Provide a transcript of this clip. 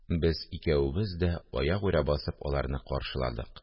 Без икәвебез дә, аягүрә басып, аларны каршыладык